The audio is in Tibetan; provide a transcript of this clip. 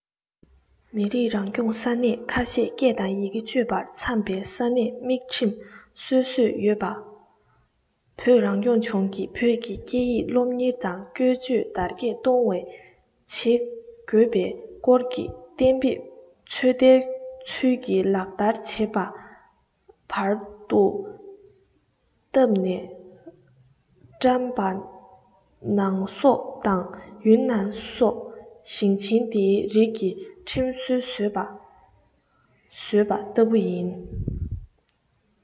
མི རིགས རང སྐྱོང ས གནས ཁ ཤས སྐད དང ཡི གེ སྤྱོད པར འཚམ པའི ས གནས དམིགས ཁྲིམས སྲོལ བཟོས ཡོད པ བོད རང སྐྱོང ལྗོངས ཀྱིས བོད ཀྱི སྐད ཡིག སློབ གཉེར དང བཀོལ སྤྱོད དར རྒྱས གཏོང བ བྱེད དགོས པའི སྐོར གྱི གཏན འབེབས ཚོད ལྟའི ཚུལ གྱིས ལག བསྟར བྱེད པ པར དུ བཏབ ནས བཀྲམས པ ནང སོག དང ཡུན ནན སོགས ཞིང ཆེན དེའི རིགས ཀྱི ཁྲིམས སྲོལ བཟོས པ བཟོས པ ལྟ བུ ཡིན